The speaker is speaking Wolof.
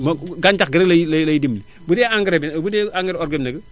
moo gañcax gi rekk lay lay dimbali bu dee engrais bi bu dee engrais organ bi nag